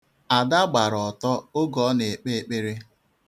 Ada gbara ọtọ oge ọ na-ekpe ekpere.